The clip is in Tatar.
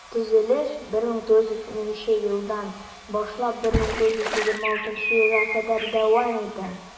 Төзелеш 1913 елдан башлап 1926 елга кадәр дәвам итә.